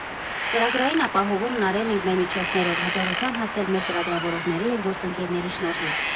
Ծրագրային ապահովումն արել ենք մեր միջոցներով, հաջողության հասել մեր ծրագրավորողների և գործընկերների շնորհիվ։